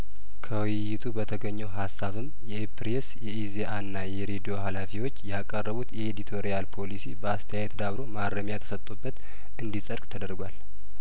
ከውይይቱ በተገኘው ሀሳብም የፕሬስ የኢዜአእና የሬዲዮ ሀላፊዎች ያቀረቡት የኤዲቶሪያል ፖሊሲ በአስተያየት ዳብሮ ማረሚያ ተሰጥቶበት እንዲጸድቅ ተደርጓል